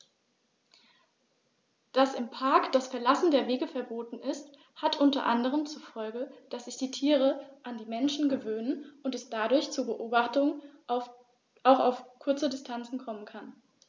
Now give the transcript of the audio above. Dass im Park das Verlassen der Wege verboten ist, hat unter anderem zur Folge, dass sich die Tiere an die Menschen gewöhnen und es dadurch zu Beobachtungen auch auf kurze Distanz kommen kann.